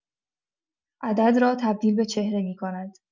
عدد را تبدیل به چهره می‌کند.